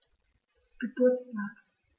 Geburtstag